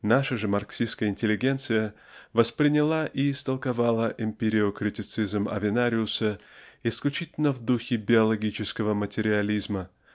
Наша же марксистская интеллигенция восприняла и истолковала эмпириокритицизм Авенариуса исключительно в духе биологического материализма